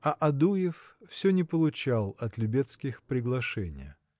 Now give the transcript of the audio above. А Адуев все не получал от Любецких приглашения.